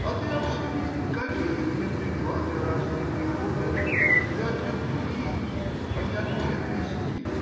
а ты обсуди, какие мне приклады разные приходят — и от любви, а не от ненависти.